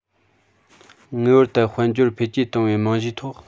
ངེས པར དུ དཔལ འབྱོར འཕེལ རྒྱས བཏང བའི རྨང གཞིའི ཐོག